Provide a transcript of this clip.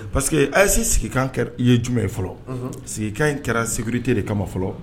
Paseke que ayise sigikan kɛra i ye jumɛn ye fɔlɔ sigikan in kɛra segrite de kama fɔlɔ